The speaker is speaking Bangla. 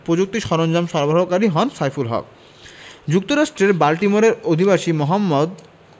প্রযুক্তি সরঞ্জাম সরবরাহকারী হন সাইফুল হক যুক্তরাষ্ট্রের বাল্টিমোরের অধিবাসী মোহাম্মদ